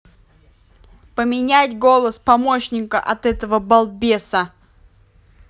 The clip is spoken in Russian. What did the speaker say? поменять голосового помощника от этого балбеса